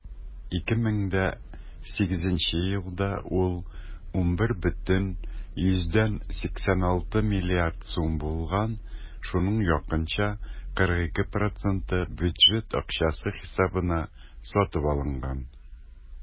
2008 елда ул 11,86 млрд. сум булган, шуның якынча 42 % бюджет акчасы хисабына сатып алынган.